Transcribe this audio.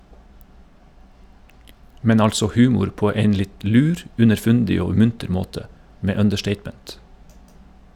Men altså humor på ein litt lur, underfundig og munter måte, med understatement.